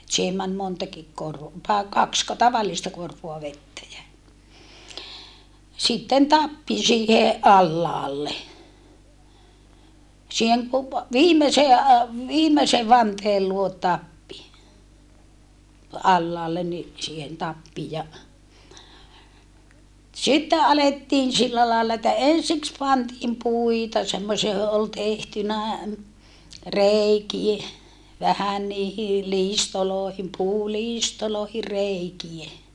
että siihen meni montakin - tai kaksiko tavallista korvoa vettä ja sitten tappi siihen alhaalle siihen - viimeiseen - viimeisen vanteen luo tappi alhaalle niin siihen tappi ja sitten alettiin sillä lailla että ensiksi pantiin puita semmoisia johon oli tehtynä reikiä vähän niihin liistoihin puuliistoihin reikiä